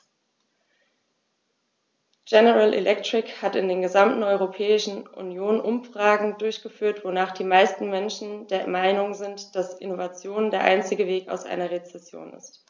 General Electric hat in der gesamten Europäischen Union Umfragen durchgeführt, wonach die meisten Menschen der Meinung sind, dass Innovation der einzige Weg aus einer Rezession ist.